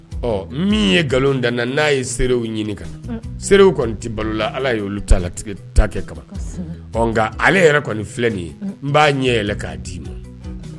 Ɔ min ye nkalon dan na n'a ye seerew ɲini sew kɔni tɛ balola ala ye olu ta alatigɛ ta kɛ kama nka ale yɛrɛ kɔni filɛ nin ye n b'a ɲɛ yɛlɛ k'a d'i ma